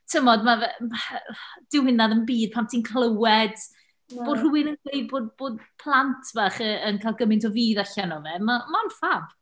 Timod mae fe... Dyw hynna ddim byd pan ti'n clywed... na. ...bo' rhywun yn dweud bod bod plant bach yy yn cael gymaint o fudd allan o fe. Ma' ma'n ffab.